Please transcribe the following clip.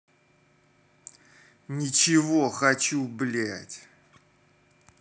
ничего хочу блядь